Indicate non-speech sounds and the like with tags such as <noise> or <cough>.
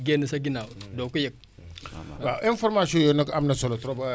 waaw information yooyu nag am na solo trop <hesitation> dia dañ lay laaj rek ci ci ci tënk